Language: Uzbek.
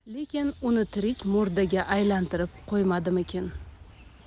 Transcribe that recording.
lekin uni tirik murdaga aylantirib qo'ymadimikin